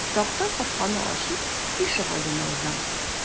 Такта капканы ачып ишегалдына узам.